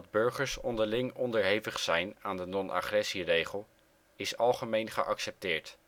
burgers onderling onderhevig zijn aan de non-agressie-regel is algemeen geaccepteerd